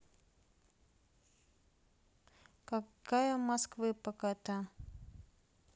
какая москвы по кота